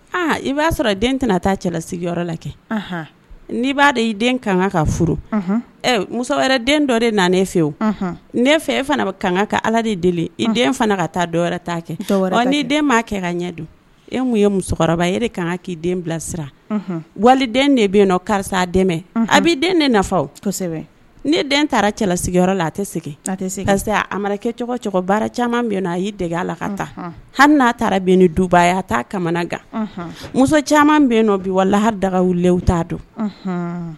I b'a sɔrɔ den tɛna taa cɛla sigiyɔrɔ la kɛ n'i b'a de i den ka ka furu muso wɛrɛ den dɔ de nan ne fɛwu n fɛ e fana bɛ ka kan ka ala de deli i den fana ka taa dɔw ta kɛ ni' den' kɛ ka ɲɛ don e tun ye musokɔrɔba e ka kan k'i den bilasira wali den de bɛ yen karisa a dɛmɛ a bɛ den de kosɛbɛ ni den taara cɛla sigiyɔrɔ la a tɛ segin akɛ caman bɛ a dege a la ka taa hali n'a taara bin duba a taa kamana gan muso caman bɛ bi waha daga t'a don